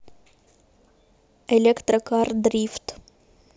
электрокар дрифт